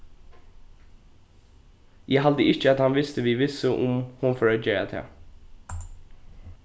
eg haldi ikki at hann visti við vissu um hon fór at gera tað